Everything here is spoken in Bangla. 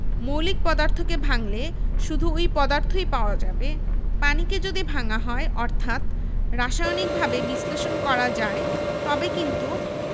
মৌলিক পদার্থকে ভাঙলে শুধু ঐ পদার্থই পাওয়া যাবে পানিকে যদি ভাঙা হয় অর্থাৎ রাসায়নিকভাবে বিশ্লেষণ করা যায় তবে কিন্তু